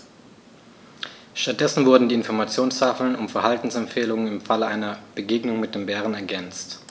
Stattdessen wurden die Informationstafeln um Verhaltensempfehlungen im Falle einer Begegnung mit dem Bären ergänzt.